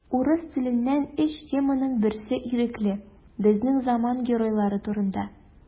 Урыс теленнән өч теманың берсе ирекле: безнең заман геройлары турында.